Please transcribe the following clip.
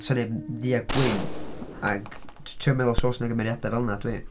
Does 'na neb yn ddu a gwyn ac t- trio meddwl os oes yna gymeriadau fel yna ydw i.